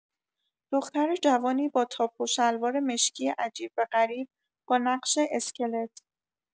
دختر جوانی با تاپ و شلوار مشکی عجیب و غریب با نقش اسکلت